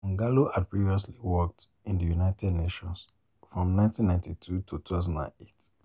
Moghalu had previously worked in the United Nations from 1992 to 2008.